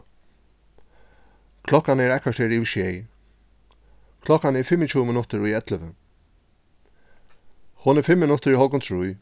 klokkan er eitt korter yvir sjey klokkan er fimmogtjúgu minuttir í ellivu hon er fimm minuttir í hálvgum trý